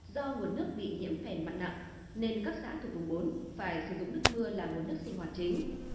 do nguồn nước bị nhiễm phèn mặn nặng nên các xã thuộc vùng bốn phải sử dụng nước mưa là nguồn nước sinh hoạt chính